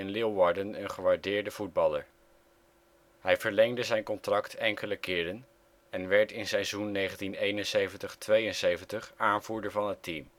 Leeuwarden een gewaardeerde voetballer. Hij verlengde zijn contract enkele keren en werd in seizoen 1971/72 aanvoerder van het team